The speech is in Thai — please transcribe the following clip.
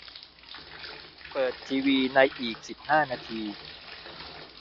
เปิดทีวีในอีกสิบห้านาที